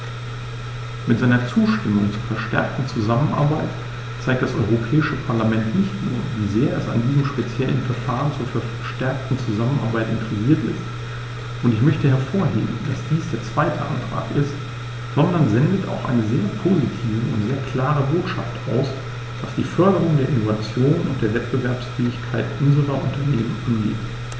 Mit seiner Zustimmung zur verstärkten Zusammenarbeit zeigt das Europäische Parlament nicht nur, wie sehr es an diesem speziellen Verfahren zur verstärkten Zusammenarbeit interessiert ist - und ich möchte hervorheben, dass dies der zweite Antrag ist -, sondern sendet auch eine sehr positive und sehr klare Botschaft aus, was die Förderung der Innovation und der Wettbewerbsfähigkeit unserer Unternehmen angeht.